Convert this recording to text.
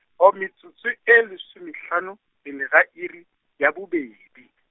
oh metsotso e lesomehlano, pele ga iri, ya bobedi .